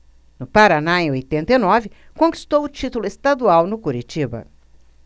no paraná em oitenta e nove conquistou o título estadual no curitiba